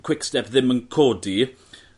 Quickstep ddim yn codi